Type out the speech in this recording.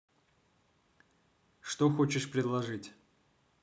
что хочешь предложить